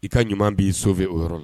I ka ɲuman bi sauve o yɔrɔ la.